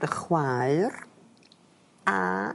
dy chwaer